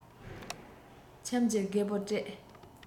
ཁྱིམ ཀྱི རྒད པོར སྤྲད